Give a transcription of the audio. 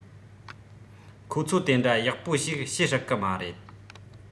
ཁོ ཚོ དེ འདྲ ཡག པོ ཞིག བྱེད སྲིད གི མ རེད